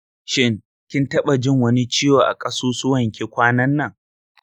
shin kin taɓa jin wani ciwo a ƙasusuwanki kwanan nan?